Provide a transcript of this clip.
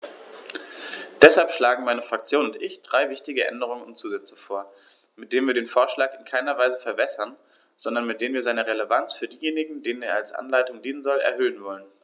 Deshalb schlagen meine Fraktion und ich drei wichtige Änderungen und Zusätze vor, mit denen wir den Vorschlag in keiner Weise verwässern, sondern mit denen wir seine Relevanz für diejenigen, denen er als Anleitung dienen soll, erhöhen wollen.